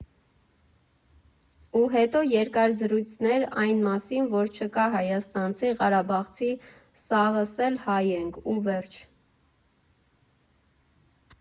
Ու հետո երկար զրույցներ այն մասին, որ չկա հայաստանցի, ղարաբաղցի, սաղս էլ հայ ենք ու վերջ։